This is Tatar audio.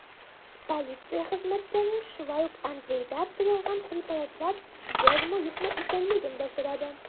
Полиция хезмәткәре шулай ук Андрейда тыелган препаратлар бармы-юкмы икәнлеген дә сорады.